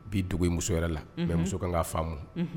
Bi dugu muso wɛrɛ la bɛ muso'a faamumu